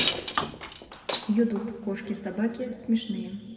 ютуб кошки и собаки смешные